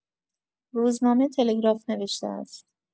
روزنامه تلگراف نوشته است